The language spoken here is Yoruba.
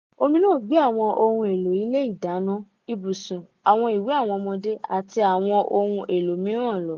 Omi náà gbé ohun èlò ilé ìdáná, ibùsùn, àwọn ìwé àwọn ọmọdé, àti àwọn ohun èlò mìíràn lọ.